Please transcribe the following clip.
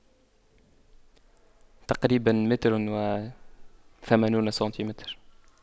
تقريبا متر وثمانون سنتيمتر